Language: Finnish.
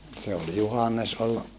se oli Juhannes oli